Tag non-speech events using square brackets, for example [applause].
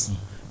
[hesitation] [hesitation]